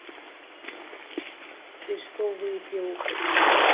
ты что выпил